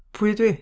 Pwy ydw i?